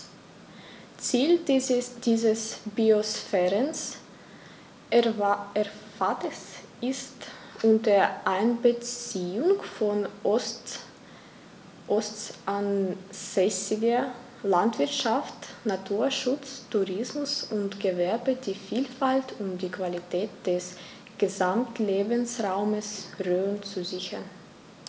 Ziel dieses Biosphärenreservates ist, unter Einbeziehung von ortsansässiger Landwirtschaft, Naturschutz, Tourismus und Gewerbe die Vielfalt und die Qualität des Gesamtlebensraumes Rhön zu sichern.